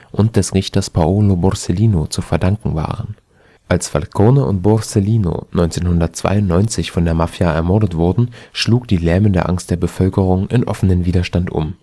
und des Richters Paolo Borsellino zu verdanken waren. Als Falcone und Borsellino 1992 von der Mafia ermordet wurden, schlug die lähmende Angst der Bevölkerung in offenen Widerstand um